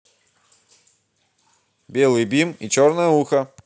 белый бим и черное ухо